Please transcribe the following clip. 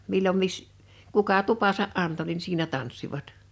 milloin - kuka tupansa antoi niin siinä tanssivat